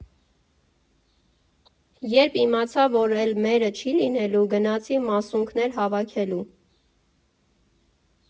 Երբ իմացա, որ էլ մերը չի լինելու, գնացի մասունքներ հավաքելու։